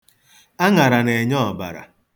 Aṅara na-enye ọbara.